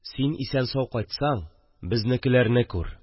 Син исән-сау кайтсаң – безнекеләрне күр